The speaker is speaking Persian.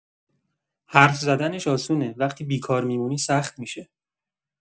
حرف زدنش آسونه، وقتی بیکار می‌مونی سخت می‌شه.